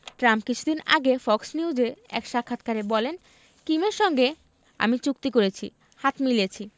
Trump কিছুদিন আগে Fox নিউজে এক সাক্ষাৎকারে বলেন কিমের সঙ্গে আমি চুক্তি করেছি হাত মিলিয়েছি